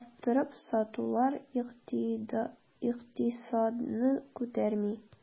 Арттырып сатулар икътисадны күтәрми.